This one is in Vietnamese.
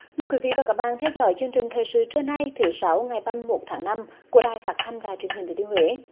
mời quý vị và các bạn theo dõi chương trình thời sự trưa nay thứ sáu ngày ba mươi mốt tháng năm của đài phát thanh và truyền hình thừa thiên huế